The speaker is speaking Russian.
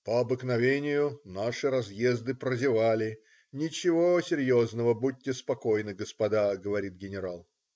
"По обыкновению, наши разъезды прозевали, ничего серьезного, будьте спокойны, господа",- говорит генерал.